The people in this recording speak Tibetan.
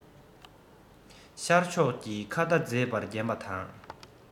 ཤར ཕྱོགས ཀྱི མཁའ མཐའ མཛེས པར བརྒྱན པ དང